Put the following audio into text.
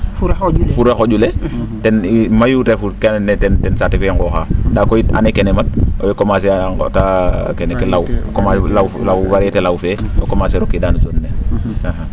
fure xo?u le ten mayu refu ke andoona yee ten saate fe nqooxaa ndaa koy année kene mat i commencer a nqota kene ke law varieté law fee a commencer a rokiida no zone ne